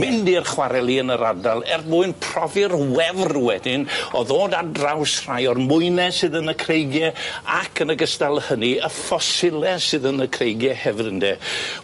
Mynd i'r chwareli yn yr ardal er mwyn profi'r wefr wedyn o ddod ar draws rhai o'r mwyne sydd yn y creigie ac yn ogystal â hynny y ffosile sydd yn y creigie hefyd ynde?